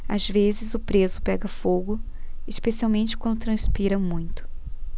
às vezes o preso pega fogo especialmente quando transpira muito